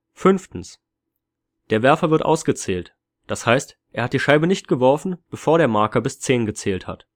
Der Werfer wird ausgezählt, das heißt, er hat die Scheibe nicht geworfen, bevor der Marker bis 10 gezählt hat